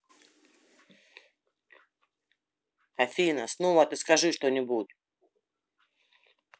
афина снова ты скажи что нибудь